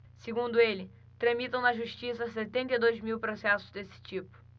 segundo ele tramitam na justiça setenta e dois mil processos desse tipo